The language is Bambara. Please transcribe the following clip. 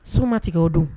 So matigɛ o don